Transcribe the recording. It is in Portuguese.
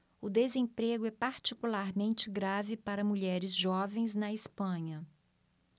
o desemprego é particularmente grave para mulheres jovens na espanha